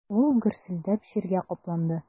Ул гөрселдәп җиргә капланды.